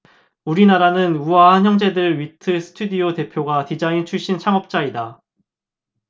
우리나라는 우아한형제들 위트 스튜디오 대표가 디자인 출신 창업자다